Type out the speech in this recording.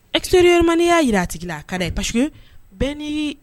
Isymanii y'a jira a tigi la a ka da pa bɛɛ ni